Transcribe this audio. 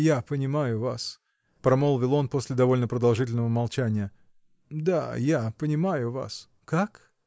-- Я понимаю вас, -- промолвил он после довольно продолжительного молчания. -- Да, я понимаю вас. -- Как?